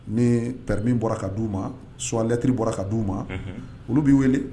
Ni prɛbi bɔra ka d di u ma sɔlɛtri bɔra ka d di u ma olu bɛi wele